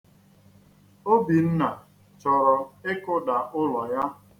Obinna chọrọ ịkụda ụlọ ya.